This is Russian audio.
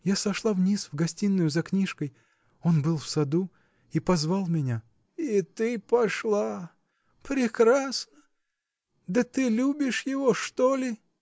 -- Я сошла вниз в гостиную за книжкой: он был в саду -- и позвал меня. -- И ты пошла? Прекрасно. Да ты любишь его, что ли?